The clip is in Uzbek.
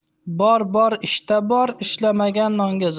bor bor ishda bor ishlamagan nonga zor